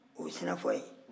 o ye sinafɔ ye